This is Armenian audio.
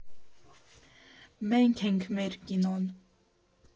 Մենք ենք մեր կինոն։